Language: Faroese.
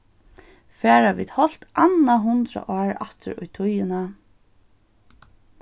fara vit hálvt annað hundrað ár aftur í tíðina